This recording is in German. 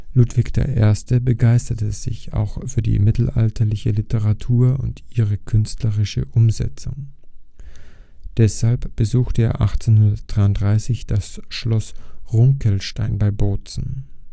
Ludwig I. begeisterte sich auch für die mittelalterliche Literatur und ihre künstlerische Umsetzung. Deshalb besuchte er 1833 das Schloss Runkelstein bei Bozen